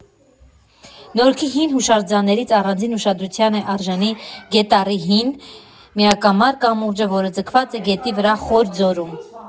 «Նորքի հին հուշարձաններից առանձին ուշադրության է արժանի Գետառի հին, միակամար կամուրջը, որը ձգված է գետի վրա խոր ձորում.